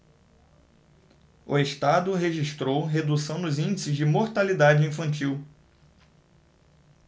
o estado registrou redução nos índices de mortalidade infantil